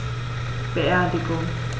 Beerdigung